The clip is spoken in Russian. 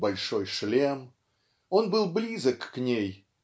"Большой шлем") он был близок к ней